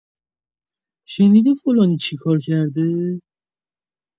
شنیدی فلانی چیکار کرده؟